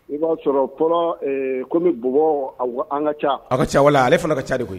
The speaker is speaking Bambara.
I b'a sɔrɔ fɔlɔɔ ee comme bɔbɔɔ awɔ an ka caan a' ka can voilà ale fana ka can de koyi